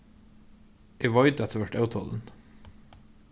eg veit at tú ert ótolin